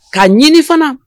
Kaa ɲini fana